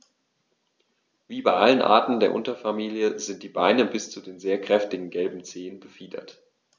Wie bei allen Arten der Unterfamilie sind die Beine bis zu den sehr kräftigen gelben Zehen befiedert.